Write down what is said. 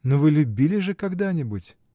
— Но вы любили же когда-нибудь?